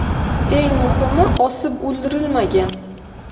eng muhimi osib o'ldirilmagan